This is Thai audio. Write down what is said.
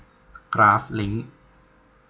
กราฟลิ้ง